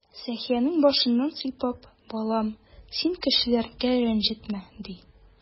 Сәхиянең башыннан сыйпап: "Балам, син кешеләргә рәнҗемә",— ди.